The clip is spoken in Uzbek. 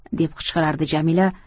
deb qichqirardi jamila